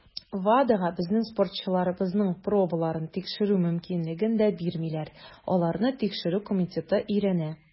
WADAга безнең спортчыларыбызның пробаларын тикшерү мөмкинлеген дә бирмиләр - аларны Тикшерү комитеты өйрәнә.